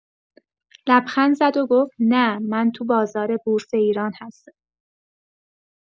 لبخند زد و گفت: «نه، من تو بازار بورس ایران هستم!»